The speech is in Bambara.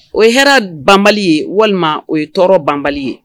Oye hɛrɛ banbali ye walima o ye tɔɔrɔ banbali ye.